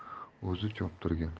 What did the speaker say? egarlab o'zi choptirgan